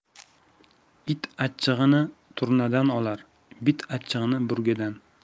it achchig'ini turnadan olar bit achchig'ini burgadan